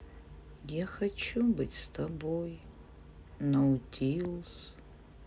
я хочу быть с тобой наутилус